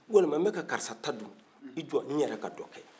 walima ne ka karisa ta dun i jɔ ne yɛrɛ ka dɔ kɛ